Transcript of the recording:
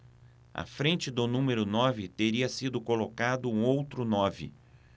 à frente do número nove teria sido colocado um outro nove